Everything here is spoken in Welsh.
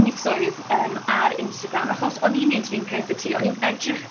misoedd yym ar Instagram, achos o'n i'n neud yr un peth a ti, o'n i'n edrych